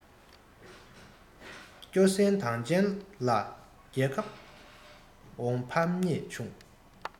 སྐྱོ སུན དང ཅན ལ རྒྱལ ཁ འོང ཕམ ཉེས བྱུང